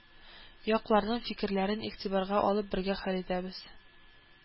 Якларның фикерләрен игътибарга алып, бергә хәл итәбез